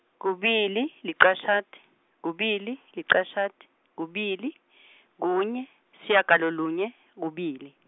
kubili, licashata, kubili, licashata, kubili , kunye, sishiyagalolunye kubili.